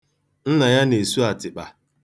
Nna ya na-esu atịkpa.